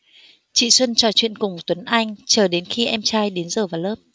chị xuân trò chuyện cùng tuấn anh chờ đến khi em trai đến giờ vào lớp